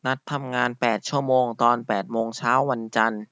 นัดทำงานแปดชั่วโมงตอนแปดโมงเช้าวันจันทร์